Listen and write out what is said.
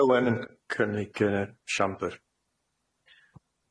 Owen y yw yn cynnig yn y siambr.